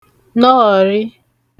nọọ̀rị